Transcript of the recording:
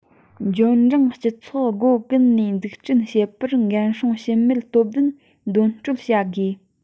འབྱོར འབྲིང སྤྱི ཚོགས སྒོ ཀུན ནས འཛུགས སྐྲུན བྱེད པར འགན སྲུང ཞུམ མེད སྟོབས ལྡན འདོན སྤྲོད བྱ དགོས